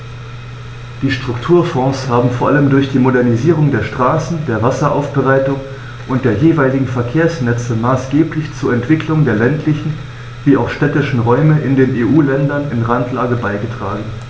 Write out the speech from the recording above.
Die Strukturfonds haben vor allem durch die Modernisierung der Straßen, der Wasseraufbereitung und der jeweiligen Verkehrsnetze maßgeblich zur Entwicklung der ländlichen wie auch städtischen Räume in den EU-Ländern in Randlage beigetragen.